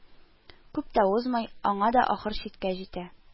Күп тә узмый, ана да ахыр чиккә җитә